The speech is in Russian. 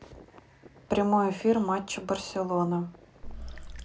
прямой эфир матча барселона